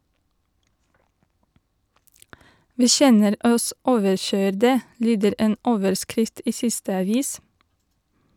"Vi kjenner oss overkøyrde" , lyder en overskrift i siste avis.